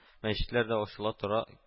Мәчетләр дә ачыла тора